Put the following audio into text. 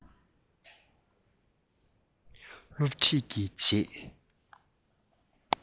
སློབ ཁྲིད ཀྱི རྗེས